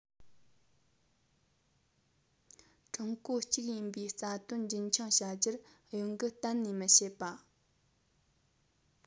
ཀྲུང གོ གཅིག ཡིན པའི རྩ དོན རྒྱུན འཁྱོངས བྱ རྒྱུར གཡོ འགུལ གཏན ནས མི བྱེད པ